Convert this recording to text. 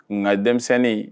Nka denmisɛnnin